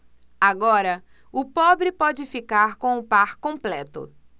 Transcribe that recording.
agora o pobre pode ficar com o par completo